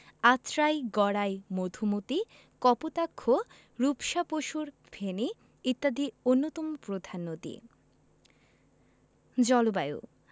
আত্রাই গড়াই মধুমতি কপোতাক্ষ রূপসা পসুর ফেনী ইত্যাদি অন্যতম প্রধান নদী জলবায়ু